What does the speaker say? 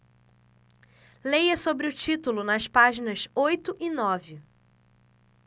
leia sobre o título nas páginas oito e nove